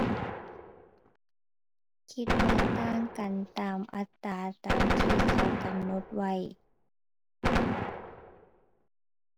คิดว่าต่างกันตามอัตรา ตามที่เขากำหนดไว้